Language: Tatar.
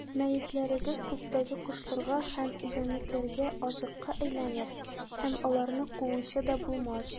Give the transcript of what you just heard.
Мәетләрегез күктәге кошларга һәм җәнлекләргә азыкка әйләнер, һәм аларны куучы да булмас.